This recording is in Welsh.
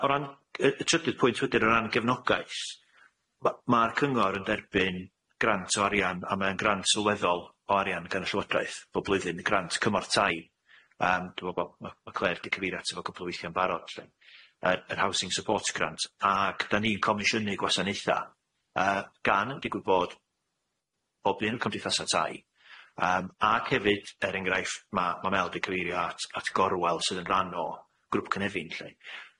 O ran yy y trydydd pwynt wedyn o ran gefnogaeth ma' ma'r cyngor yn derbyn grant o arian a mae'n grant sylweddol o arian gan y Llywodraeth fel blwyddyn y grant cymorth tai yym dwi me'wl bo' ma' ma' Clare ddi cyfeiri ato fo cwpl o weithie yn barod lly, yr yr housing support grant ag dan ni'n comisiynu gwasanaetha gan digwydd bod pob un o'r cymdeithasa tai yym ag hefyd er enghraiff ma' ma' Mel di cyfeirio at at Gorwel sydd yn rhan o grŵp Cynefin lly.